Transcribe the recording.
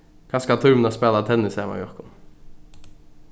kanska tímir hon at spæla tennis saman við okkum